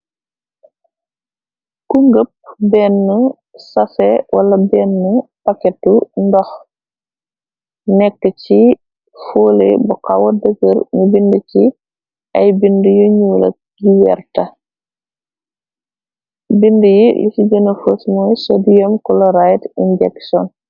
Kungëp benn safe wala benn paketu ndox nekk ci foole bu xawa dëgër ni bind ci ay bind yu ñu la yi werta bind yi lu ci gëna fors mooy sodiam coloride injektion.